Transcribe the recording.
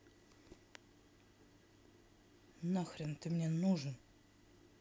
нахрен тебе ты мне нужен